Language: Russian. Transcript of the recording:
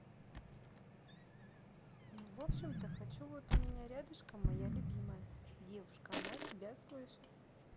ну в общем то хочу вот у меня рядышком моя любимая девушка она тебя слышит